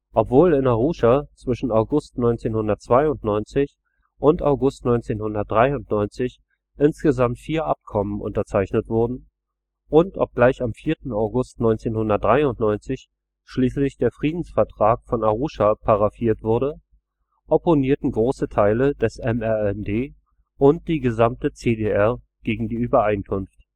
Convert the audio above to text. Obwohl in Arusha zwischen August 1992 und August 1993 insgesamt vier Abkommen unterzeichnet wurden und obgleich am 4. August 1993 schließlich der Friedensvertrag von Arusha paraphiert wurde, opponierten große Teile der MRND und die gesamte CDR gegen die Übereinkunft